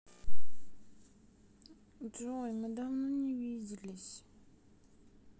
джой мы давно не виделись